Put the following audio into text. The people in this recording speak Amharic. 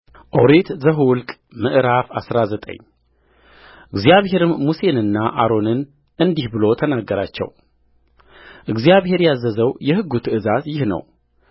ኦሪት ዘኍልቍ ምዕራፍ አስራ ዘጠኝ እግዚአብሔርም ሙሴንና አሮንን እንዲህ ብሎ ተናገራቸውእግዚአብሔር ያዘዘው የሕጉ ትእዛዝ ይህ ነው